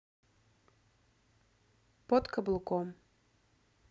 под каблуком